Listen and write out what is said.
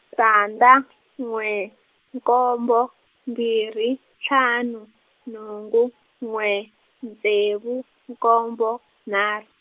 tandza n'we nkombo mbirhi ntlhanu nhungu n'we ntsevu nkombo nharhu.